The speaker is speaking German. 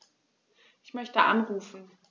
Ich möchte anrufen.